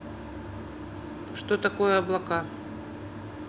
что такое облака